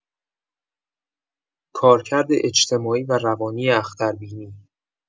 کارکرد اجتماعی و روانی اختربینی